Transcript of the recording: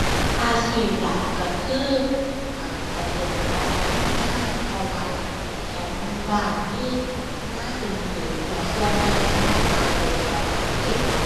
อาชีพหลักก็คือ อ่า เกษตรกรทำนา เพราะว่าแถวหมู่บ้านมีนาเป็นผืน แล้วส่วนใหญ่ก็ทำนา ปลูกข้าวขาย